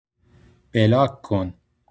بلاک کن